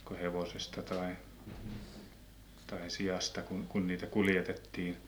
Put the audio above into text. kuin hevosesta tai tai siasta kun kun niitä kuljetettiin